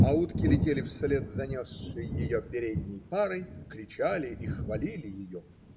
А утки летели вслед за несшей ее передней парой, кричали и хвалили ее.